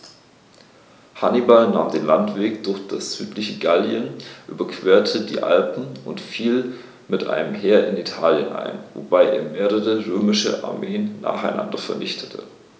Hannibal nahm den Landweg durch das südliche Gallien, überquerte die Alpen und fiel mit einem Heer in Italien ein, wobei er mehrere römische Armeen nacheinander vernichtete.